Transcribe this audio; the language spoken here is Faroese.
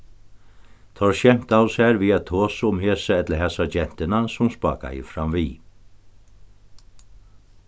teir skemtaðu sær við at tosa um hesa ella hasa gentuna sum spákaði framvið